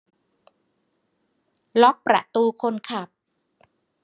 ล็อกประตูคนขับ